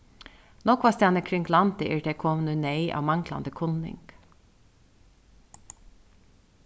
nógvastaðni kring landið eru tey komin í neyð av manglandi kunning